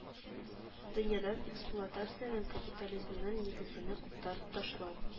Дөньядан эксплуатациянең капитализмның нигезене куптарып ташлау